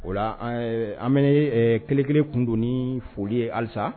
O la an bɛ kɛlɛkelen kun don ni foli ye halisa